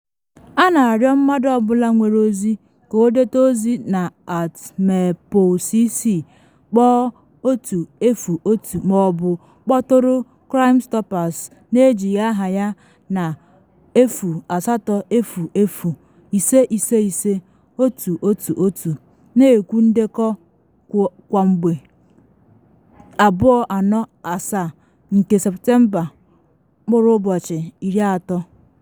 A na arịọ mmadụ ọ bụla nwere ozi ka ọ dete ozi na @MerPolCC, kpọọ 101 ma ọ bụ kpọtụrụ Crimestoppers na ejighi aha ya na 0800 555 111 na ekwu ndekọ 247 nke Septemba 30.